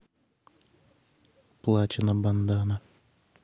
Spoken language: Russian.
платина бандана